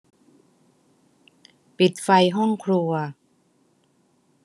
ปิดไฟห้องครัว